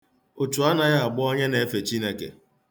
Ụchụ anaghị agba onye na-efe Chineke.